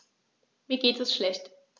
Mir geht es schlecht.